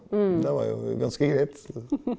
det var jo ganske greit.